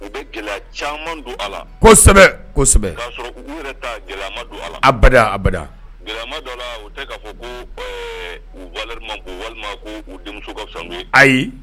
U bɛ caman don a la kosɛbɛ kosɛbɛ a denmuso ayi